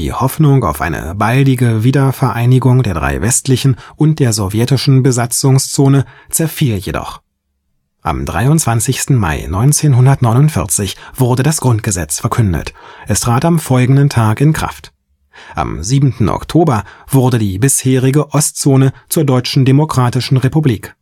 Hoffnung auf eine baldige Wiedervereinigung der drei westlichen und der Sowjetischen Besatzungszone zerfiel jedoch. Am 23. Mai 1949 wurde das Grundgesetz verkündet, es trat am folgenden Tag in Kraft. Am 7. Oktober wurde die bisherige Ostzone zur Deutschen Demokratischen Republik